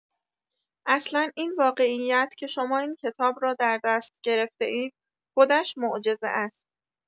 اصلا این واقعیت که شما این کتاب را در دست گرفته‌اید خودش معجزه است.